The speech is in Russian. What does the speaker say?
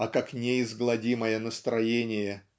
а как неизгладимое настроение